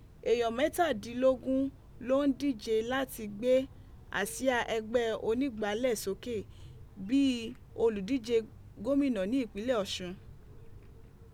Èèyàn mẹtadinlogun ló n dije láti gbé àsìá ẹgbẹ Onígbàálẹ̀ sókè bíi olùdíje gómìnà ní ìpínlẹ̀ Osun.